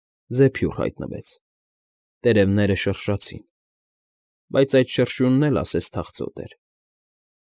Զեփյուռ հայտնվեց, տերևները շրշացին, բայց այդ շրշյունն էլ ասես թախծոտ էր։